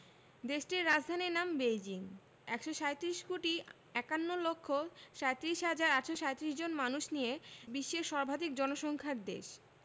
দেশটির রাজধানীর নাম বেইজিং ১৩৭ কোটি ৫১ লক্ষ ৩৭ হাজার ৮৩৭ জন মানুষ নিয়ে বিশ্বের সর্বাধিক জনসংখ্যার দেশ